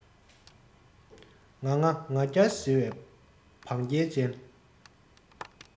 ང ང ང རྒྱལ ཟེར བའི བང རྒྱལ ཅན